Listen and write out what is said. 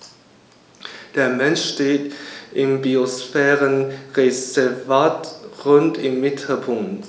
Der Mensch steht im Biosphärenreservat Rhön im Mittelpunkt.